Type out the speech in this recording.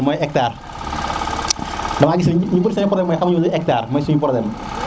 mooy hectar dama gis ñu bëri rek xamuñu luy hectar lolu moy suñu probleme